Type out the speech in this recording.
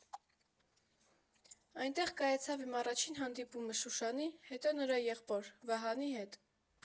Այնտեղ կայացավ իմ առաջին հանդիպումը Շուշանի, հետո նրա եղբոր՝ Վահանի հետ։